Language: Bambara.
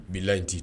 N'i layi d di